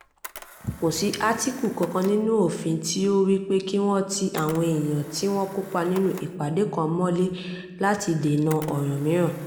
Kò sí átíkù kankan nínú òfin tí ó wí pé kí wọ́n ti àwọn èèyàn tí wọ́n kópa nínú ìpàdé kan mọ́lé láti dènà ọ̀ràn mìíràn.